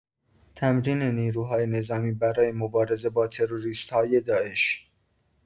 تمرین نیروهای نظامی برای مبارزه با تروریست‌های داعش